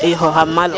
ii xooxaam maalo